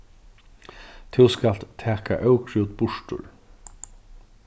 tú skalt taka ókrút burtur